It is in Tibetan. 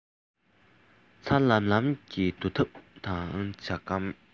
ཚ ལམ ལམ གྱི རྡོ ཐབ དང ཇ སྒམ